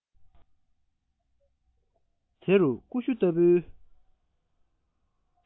དེ རུ ཀུ ཤུ ལྟ བུའི